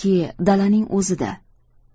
balki dalaning o'zida